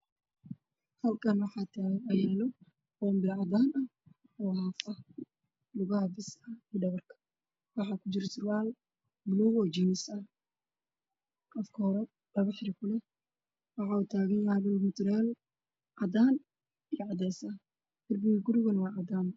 Halkaan waxaa taagan boonbalo cadaan ah oo haaf ah waxaa kujiro surwaal buluug ah oo jeemis ah waxuu taagan yahay meel mutuleel cadaan iyo cadeys ah darbiga guriga waa cadaan.